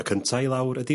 Y cynta i lawr ydi...